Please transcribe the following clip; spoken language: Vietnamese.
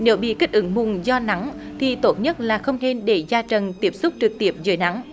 nếu bị kích ứng vùng do nắng thì tốt nhất là không nên để da trần tiếp xúc trực tiếp dưới nắng